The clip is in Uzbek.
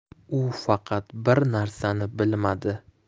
u faqat bir narsani bilmadi